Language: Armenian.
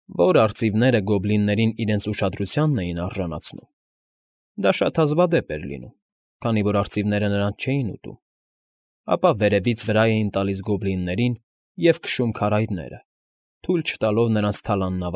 Որ արծիվները գոբլիններին իրենց ուշադրությանն էին արժանացնում (դա շատ հազվադեպ էր լինում, քանի որ արծիվները նրանց չէին ուտում), ապա վերևից վրա էին տալիս գոբլիններին և քշում քարայրները, թույլ չտալով նրանց թալանն։